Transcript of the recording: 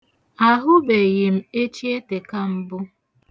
Ahụbeghị m echietèka mbụ.